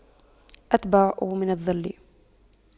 أتبع من الظل